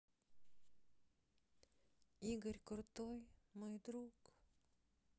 игорь крутой мой друг